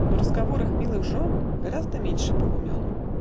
Но разговор их милых жен Гораздо меньше был умен.